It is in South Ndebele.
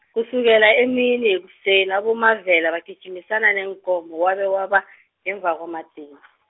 kusukela emini yekuseni aboMavela bagijimisane neenkomo kwabe kwaba , ngemva kwamadina .